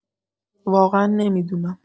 واقعا نمی‌دونم.